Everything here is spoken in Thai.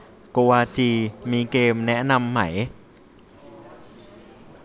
โกวาจีมีเกมแนะนำไหม